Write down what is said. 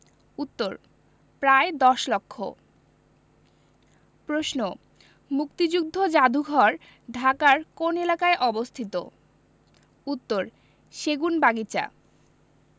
উত্তর প্রায় দশ লক্ষ প্রশ্ন মুক্তিযুদ্ধ যাদুঘর ঢাকার কোন এলাকায় অবস্থিত উত্তরঃ সেগুনবাগিচা